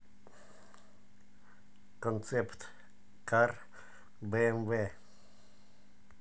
концепт кар бмв